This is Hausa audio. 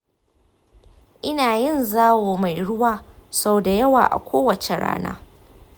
ina yin zawo mai ruwa sau da yawa a kowace rana.